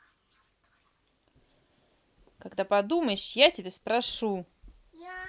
когда подумаешь я тебя спрошу